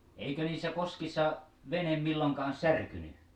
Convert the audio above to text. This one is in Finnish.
eikö niissä koskissa vene milloinkaan särkynyt